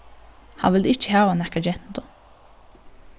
hann vildi ikki hava nakra gentu